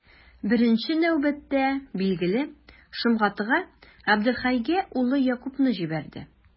Беренче нәүбәттә, билгеле, Шомгатыга, Габделхәйгә улы Якубны җибәрде.